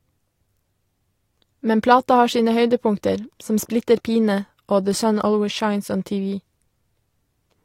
Men plata har sine høydepunkter, som «Splitter pine» og «The Sun Always Shines on TV».